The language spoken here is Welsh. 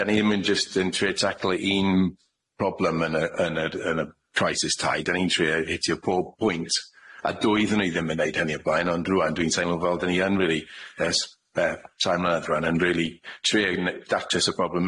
dyn ni ddim yn jyst yn trio taclo un problem yn y yn y crisis tai dyn ni'n trio hitio pob pwynt a dwy ddyn ni ddim yn neud hynny o blaen ond rŵan dwi'n teimlo fel dyn ni yn rili ers yy tai mlynedd rŵan yn rili trio ne- datres y problem